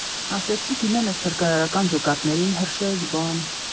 Ասեցի՝ դիմեմ էս փրկարարական ջոկատներին, հրշեջ, բան։